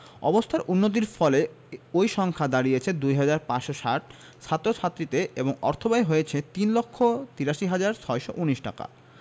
অবস্থার উন্নতির ফলে ওই সংখ্যা দাঁড়িয়েছে ২ হাজার ৫৬০ ছাত্রছাত্রীতে এবং অর্থব্যয় হয়েছে ৩ লক্ষ ৮৩ হাজার ৬১৯ টাকা